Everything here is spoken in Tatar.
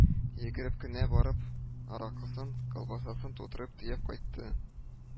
Йөгереп кенә барып аракысын, колбасасын тутырып төяп кайтты